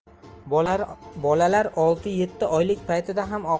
bolalar olti yetti oylik paytida ham